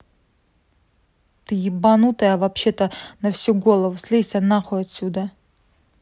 ты ебанутая вообще на всю голову слейся нахуй отсюда